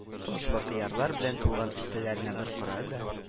Тозлы кыярлар белән тулган өстәлләренә бер карады да